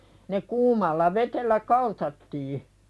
ne kuumalla vedellä kaltattiin